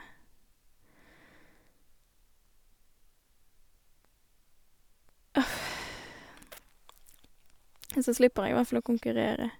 Så slipper jeg i hvert fall å konkurrere.